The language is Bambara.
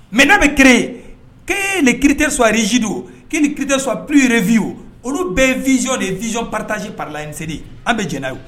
Mɛ n'a bɛ ki kee de kiirite swarezdi ke ni kiirite suwapurre fiyewu olu bɛɛzo de fizɔn paratazsi pala in seli an bɛ jna ye